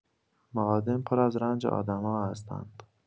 معادن پر از رنج آدم‌ها هستند.